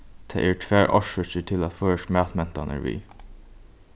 tað eru tvær orsøkir til at føroysk matmentan er við